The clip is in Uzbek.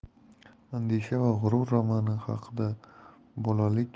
andisha va g'urur romani